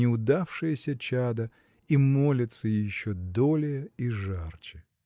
неудавшееся чадо и молится еще долее и жарче.